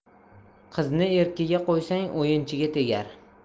qizni erkiga qo'ysang o'yinchiga tegar